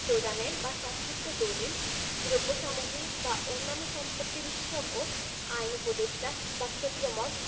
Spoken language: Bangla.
প্রদানের বা সংশ্লিষ্ট দলিল দ্রব্যসামগ্রী বা অন্যান্য সম্পত্তি বিশেষজ্ঞ আইন উপদেষ্টা বা ক্ষেত্রমত